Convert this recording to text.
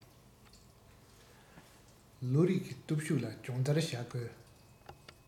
བློ རི གི སྟོབས ཤུགས ལ སྦྱོང བརྡར བྱ དགོས